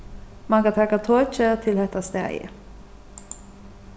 mann kann taka tokið til hetta staðið